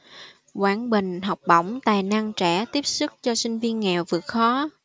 quảng bình học bổng tài năng trẻ tiếp sức cho sinh viên nghèo vượt khó